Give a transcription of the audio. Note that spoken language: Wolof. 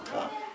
waaw